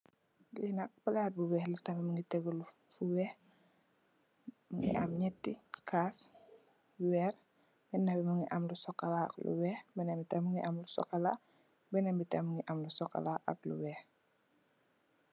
Lii nak plaat bu wekh la tamit mungy tehgu lu fu wekh, mungy am nyetti kass ci weer, benah bii mungy am lu chocolat ak lu wekh, benen bi tamit mungy am lu chocolat, benen bi tamit mungy am lu chocolat ak lu wekh.